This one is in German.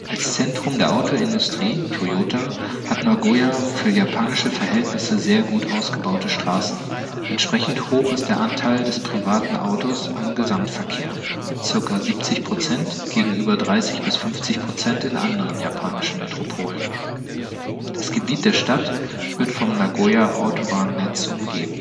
Zentrum der Autoindustrie (Toyota) hat Nagoya für japanische Verhältnisse sehr gut ausgebaute Straßen, entsprechend hoch ist der Anteil des privaten Autos am Gesamtverkehr (ca. 70 % gegenüber 30-50 % in anderen japanischen Metropolen). Das Gebiet der Stadt wird vom Nagoya-Autobahnnetz umgeben